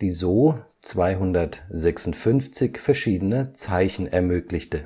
die so 256 (entspricht 2 8 {\ displaystyle 2^ {8}}) verschiedene Zeichen ermöglichte